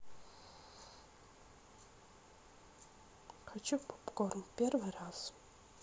хочу попкорн первый раз